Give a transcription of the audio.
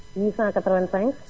885